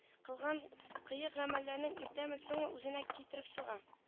Кылган кыек гамәлләрең иртәме-соңмы үзеңә китереп суга